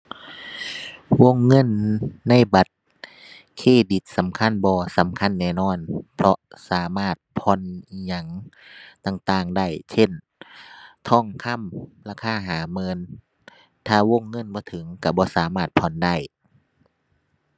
วงเงินในบัตรเครดิตสำคัญบ่ สำคัญแน่นอน เพราะสามารถผ่อนอิหยังต่างต่างได้ เช่น ทองคำราคาห้าหมื่น ถ้าวงเงินบ่ถึงก็บ่สามารถผ่อนได้